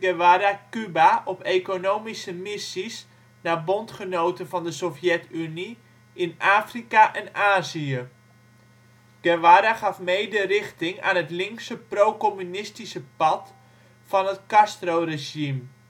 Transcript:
Guevara Cuba op economische missies naar bondgenoten van de Sovjet-Unie in Afrika en Azië. Guevara gaf mede richting aan het linkse pro-communistische pad van het Castro-regime